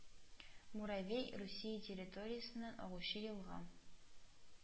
Муравей Русия территориясеннән агучы елга